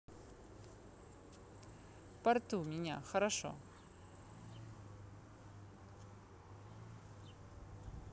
в порту меня хорошо